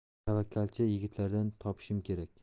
tavakkalchi yigitlardan topishim kerak